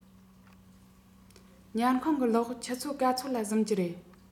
ཉལ ཁང གི གློག ཆུ ཚོད ག ཚོད ལ གཟིམ གྱི རེད